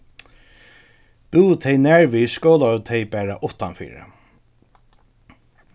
búðu tey nær við skolaðu tey bara uttanfyri